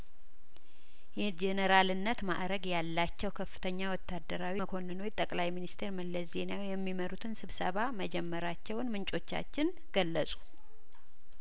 የጄኔራልነት ማእረግ ያላቸው ከፍተኛ ወታደራዊ መኮንኖች ጠቅላይ ሚኒስትር መለስ ዜናዊ የሚመሩትን ስብሰባ መጀመራቸውን ምንጮቻችን ገለጹ